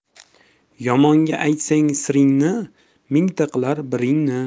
yomonga aytsang siringni mingta qilar biringni